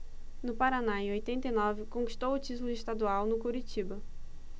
no paraná em oitenta e nove conquistou o título estadual no curitiba